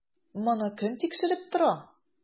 Моны кем тикшереп тора?